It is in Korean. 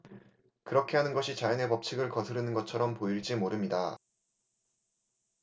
그렇게 하는 것이 자연의 법칙을 거스르는 것처럼 보일지 모릅니다